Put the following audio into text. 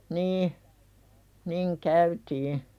niin niin käytiin